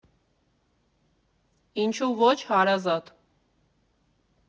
Ինչու ոչ՝ հարազատ։